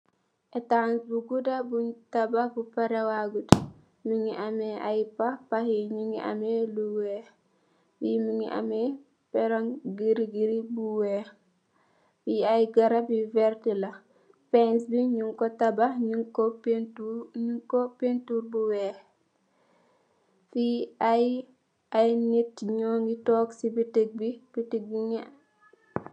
Etaas bu guda buñ tabah bu pare waagut, mungi ameh aye pah, pahi ñungi ameh lu weeh, fii mungi ameh pereng giri giri bu weeh, fii aye garap yu vert la, fence bi ñungko tabah, ñungko pentuur bu weeh, fii aye nit ñoongi took si bitik bi.